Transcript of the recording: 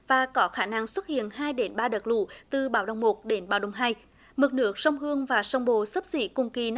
và có khả năng xuất hiện hai đến ba đợt lũ từ bạo động một đến báo đồng hai mực nước sông hương và sông bồ xấp xỉ cùng kỳ năm